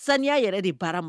Saniya yɛrɛ de baara ma